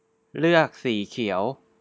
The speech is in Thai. เลือกสีเขียว